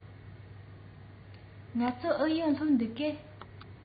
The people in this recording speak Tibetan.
ངལ རྩོལ ཨུ ཡོན སླེབས འདུག གས